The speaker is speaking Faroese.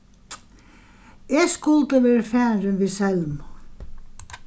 eg skuldi verið farin við selmu